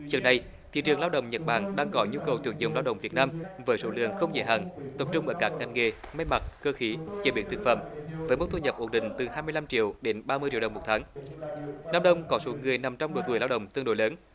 trước đây thị trường lao động nhật bản đang có nhu cầu tuyển dụng lao động việt nam với số lượng không giới hạn tập trung ở các ngành nghề may mặc cơ khí chế biến thực phẩm với mức thu nhập ổn định từ hai mươi lăm triệu đến ba mươi triệu đồng một tháng năm đông có số người nằm trong độ tuổi lao động tương đối lớn